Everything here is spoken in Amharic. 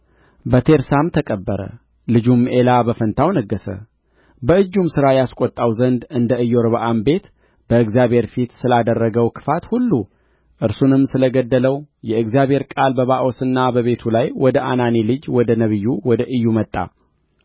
በቴርሳም ተቀበረ ልጁም ኤላ በፋንታው ነገሠ በእጁም ሥራ ያስቈጣው ዘንድ እንደ ኢዮርብዓም ቤት በእግዚአብሔር ፊት ስላደረገው ክፋት ሁሉ እርሱንም ስለ ገደለው የእግዚአብሔር ቃል በባኦስና በቤቱ ላይ ወደ አናኒ ልጅ ወደ ነቢዩ ወደ ኢዩ መጣ